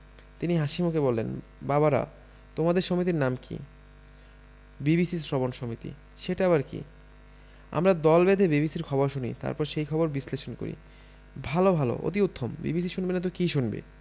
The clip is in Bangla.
তিনি হাসিমুখে বললেন বাবারা তোমাদের সমিতির নাম কি বিবিসি শ্রবণ সমিতি সেটা আবার কি আমরা দল বেঁধে বিবিসির খবর শুনি তারপর সেই খবর বিশ্লেষণ করি ভাল ভাল অতি উত্তম বিবিসি শুনবেনা তো কি শুনবে